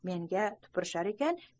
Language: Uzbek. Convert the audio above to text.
menga tupurishar ekan